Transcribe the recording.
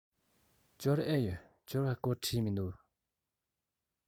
འབྱོར ཨེ ཡོད འབྱོར བའི སྐོར བྲིས མི འདུག